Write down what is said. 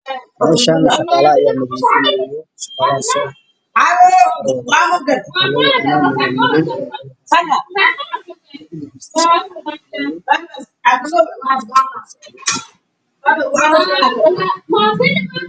Waa guri dhismo ku socda niman ayaa dhisaayo